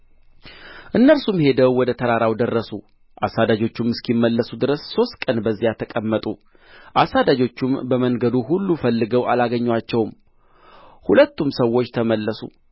እነርሱም ሄደው ወደ ተራራው ደረሱ አሳዳጆቹም እስኪመለሱ ድረስ ሦስት ቀን በዚያ ተቀመጡ አሳዳጆቹም በመንገዱ ሁሉ ፈልገው አላገኙአቸውም ሁለቱም ሰዎች ተመለሱ